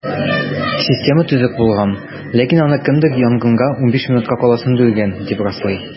Система төзек булган, ләкин аны кемдер янгынга 15 минут кала сүндергән, дип раслый.